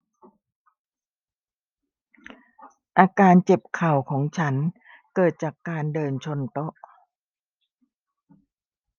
อาการเจ็บเข่าของฉันเกิดจากการเดินชนโต๊ะ